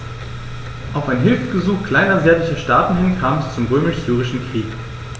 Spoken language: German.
Auf ein Hilfegesuch kleinasiatischer Staaten hin kam es zum Römisch-Syrischen Krieg.